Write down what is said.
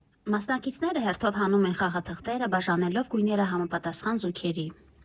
Մասնակիցները հերթով հանում են խաղաթղթերը՝ բաժանելով գույները համապատասխան զույգերի։